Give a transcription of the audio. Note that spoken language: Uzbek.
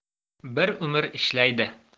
bir umr ishlaydi